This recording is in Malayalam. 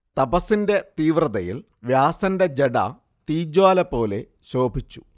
തപസ്സിന്റെ തീവ്രതയിൽ വ്യാസന്റെ ജട തീജ്വാലപോലെ ശോഭിച്ചു